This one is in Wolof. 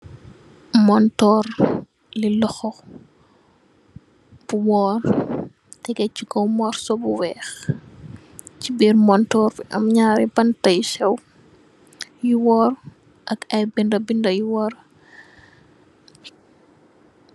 Monitorr li loho, bu wurr tehgeh ci kaw morso bu weeh. Ci biir montorr bi am ñaari banta yu sew, yu wurr ak ay binda, binda yu wurr.